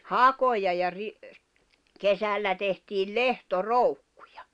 hakoja ja - kesällä tehtiin lehtoroukkuja